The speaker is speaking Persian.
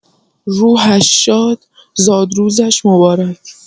روحش‌شاد، زادروزش مبارک